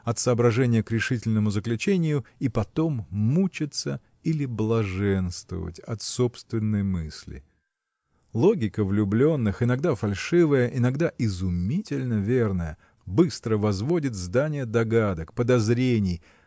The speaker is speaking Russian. от соображения к решительному заключению и потом мучиться или блаженствовать от собственной мысли. Логика влюбленных иногда фальшивая иногда изумительно верная быстро возводит здание догадок подозрений